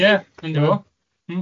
Ie dyne fo.